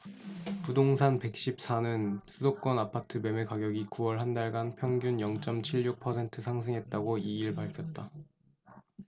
부동산 백 십 사 는 수도권 아파트 매매가격이 구 월 한달간 평균 영 쩜 칠 육 퍼센트 상승했다고 이 일 밝혔다